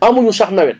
amuñu sax nawet